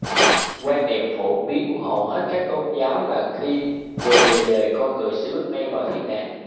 quan niệm phổ biến của hầu hết các tôn giáo là khi vừa lìa đời con người sẽ bước ngay vào thiên đàng